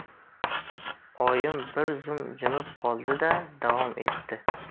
oyim bir zum jimib qoldi da davom etdi